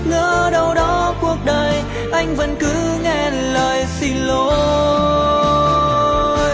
ngỡ đâu đó cuộc đời anh vẫn nói ngàn lời xin lỗi